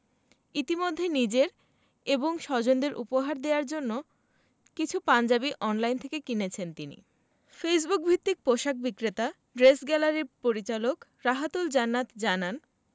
ইতিমধ্যে নিজের এবং স্বজনদের উপহার দেয়ার জন্য কিছু পাঞ্জাবি অনলাইন থেকে কিনেছেন তিনি ফেসবুকভিত্তিক পোশাক বিক্রেতা ড্রেস গ্যালারির পরিচালক রাহাতুল জান্নাত জানান